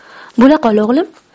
bo'la qol o'g'lim